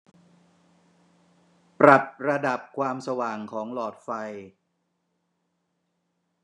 ปรับระดับความสว่างของหลอดไฟ